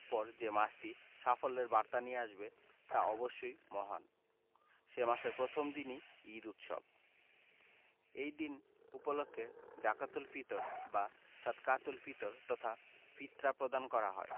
পর যে মাসটি সাফল্যের বার্তা নিয়ে আসবে তা অবশ্যই মহান সে মাসের প্রথম দিনই ঈদ উৎসব এই দিন উপলক্ষে জাকাতুল ফিতর বা সদকাতুল ফিতর তথা ফিতরা প্রদান করা হয়